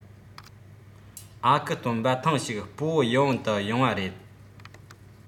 ཨ ཁུ སྟོན པ ཐེངས ཤིག སྤོ བོ ཡིད འོང དུ ཡོང བ རེད